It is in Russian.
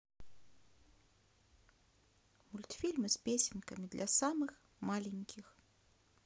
мультфильмы с песенками для самых маленьких